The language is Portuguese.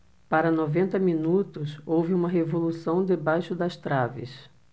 para noventa minutos houve uma revolução debaixo das traves